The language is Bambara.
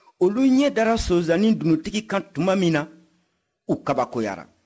olu ɲɛ dara sonsannin dununtigi kan tuma min na u kabakoyara